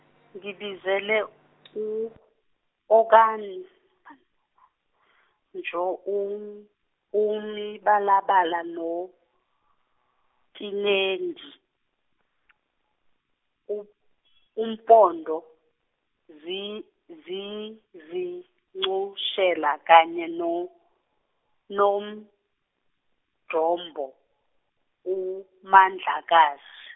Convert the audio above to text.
ngibizele, u Okanjo u- umibalabala noTinendi , u- ompondo, zi- zi- zincushela kanye noNongjombo, uMandlakazi.